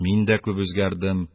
Мин дә күп үзгәрдем,